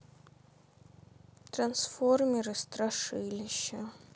трансформеры страшилища